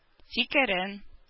Фикерен